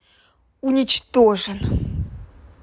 уничтожен